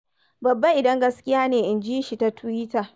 "Babba idan gaskiya ne," inji shi ta Twitter.